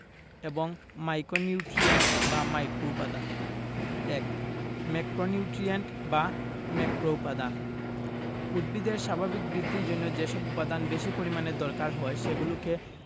এবং মাইকোনিউট্রিয়েন্ট বা মাইক্রোউপাদান ১ ম্যাক্রোনিউট্রিয়েন্ট বা ম্যাক্রোউপাদান উদ্ভিদের স্বাভাবিক বৃদ্ধির জন্য যেসব উপাদান বেশি পরিমাণে দরকার হয় সেগুলোকে